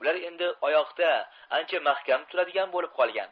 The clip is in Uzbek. ular endi oyoqda ancha mahkam turadigan bo'lib qolgan